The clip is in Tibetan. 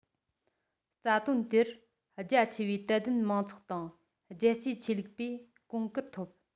རྩ དོན དེར རྒྱ ཆེ བའི དད ལྡན མང ཚོགས དང རྒྱལ གཅེས ཆོས ལུགས པས གོང བཀུར ཐོབ